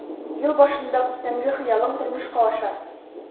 Ел башында күптәнге хыялың тормышка ашар.